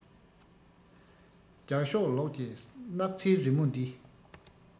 རྒྱ ཤོག ལོགས ཀྱི སྣག ཚའི རི མོ འདི